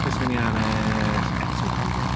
Pwy sy'n mynd i ennill? Ekin Su a Davide.